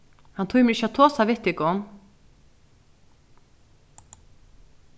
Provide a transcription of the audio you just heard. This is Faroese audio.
hann tímir ikki at tosa við tykum